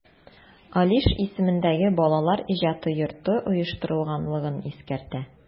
Алиш исемендәге Балалар иҗаты йорты оештырганлыгын искәртә.